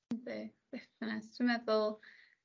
Yndi. Beth bynnag dwi meddwl